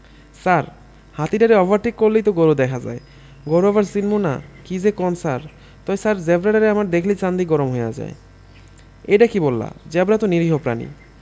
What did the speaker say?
ছার হাতিডারে ওভারটেক করলেই তো গরু দেহা যায় গরু আবার চিনুম না কি যে কন ছার তয় ছার জেব্রাডারে আমার দেখলেই চান্দি গরম হয়া যায় এইডা কি বললা জেব্রা তো নিরীহ প্রাণী